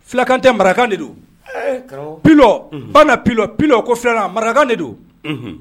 Fulakan tɛ marakakan de don. E karamɔgɔ! Pilɔ . Unhun. banna pilɔ ko filanan, marakakan de don. Unhun.